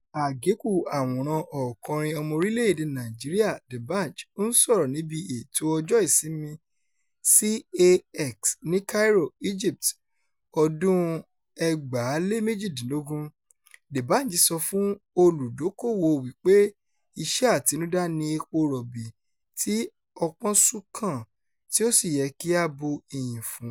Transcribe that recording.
Àgékù àwòrán ọ̀kọrin ọmọ orílẹ̀-èdèe Nàìjíríà D'banj ń sọ̀rọ̀ níbi ètò Ọjọ́ Ìsinmi CAX ní Cairo, Egypt, ọdún-un 2018. Dbanj sọ fún olùdókoòwò wípé “iṣẹ́ àtinúdá ni epo rọ̀bì tí ọpọ́n sún kàn” tí ó sì yẹ kí a bu ìyìn fún.